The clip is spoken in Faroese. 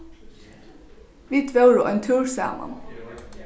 vit vóru ein túr saman